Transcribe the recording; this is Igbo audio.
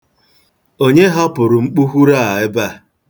Onye hapụrụ mkpughuru a ebe a?